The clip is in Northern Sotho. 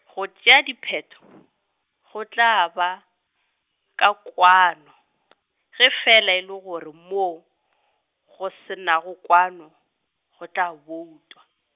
go tšea diphetho , go tla ba, ka kwano , ge fela e le gore moo, go se nago kwano, go tla boutwa.